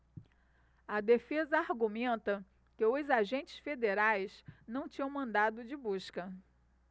a defesa argumenta que os agentes federais não tinham mandado de busca